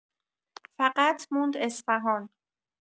فقط موند اصفهان